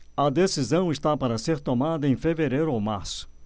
a decisão está para ser tomada em fevereiro ou março